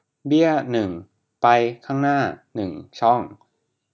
เบี้ยหนึ่งไปข้างหน้าหนึ่งช่อง